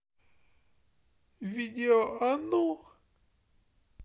видео а ну